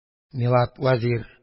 Милад вәзир: